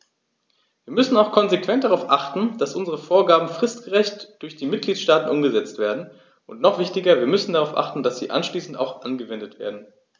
Wir müssen auch konsequent darauf achten, dass unsere Vorgaben fristgerecht durch die Mitgliedstaaten umgesetzt werden, und noch wichtiger, wir müssen darauf achten, dass sie anschließend auch angewendet werden.